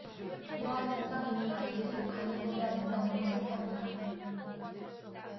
이러한 증상이 있는 아이들은 간이 부으며 냉담하고 슬퍼한다